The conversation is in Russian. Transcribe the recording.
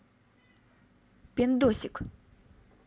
пендосик